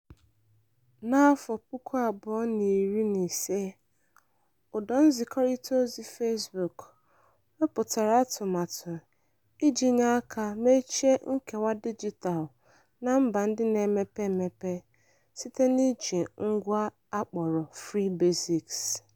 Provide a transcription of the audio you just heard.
N'afọ puku abụọ na iri na ise (2015), ụdọ nzikọrịtaozi Fezbuk wepụtara atụmatụ iji nye aka mechie nkewa dijitalụ na mba ndị na-emepe emepe site n'iji ngwa akpọrọ "Free Basics".